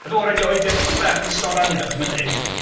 Dwi'n meddwl rhaid ni oedi ychydig bach yn sôn am hyn achos mae'n dweud...